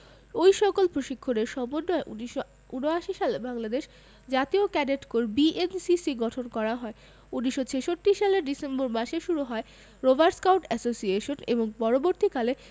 ওই সকল প্রশিক্ষণ সমন্বয়ের জন্য ১৯৭৯ সালে বাংলাদেশ জাতীয় ক্যাডেট কোর বিএনসিসি গঠন করা হয় ১৯৬৬ সালের ডিসেম্বর মাসে শুরু হয় রোভার স্কাউট অ্যাসোসিয়েশন এবং পরবর্তীকালে